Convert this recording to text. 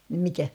niin mikä